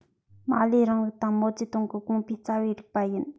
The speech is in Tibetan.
མར ལེའི རིང ལུགས དང མའོ ཙེ ཏུང གི དགོངས པའི རྩ བའི རིགས པ ཡིན